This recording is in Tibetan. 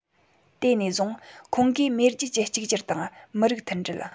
དེ ནས བཟུང ཁོང གིས མེས རྒྱལ གྱི གཅིག གྱུར དང མི རིགས མཐུན སྒྲིལ